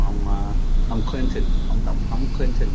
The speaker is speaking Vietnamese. ông mà ông cờ lin từn ông tổng thống cờ lin từn